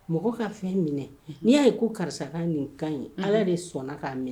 Mɔgɔ ka fɛn minɛ n'i y'a ye ko karisa kaɲi a kaɲi Ala de sɔnna k'a minɛ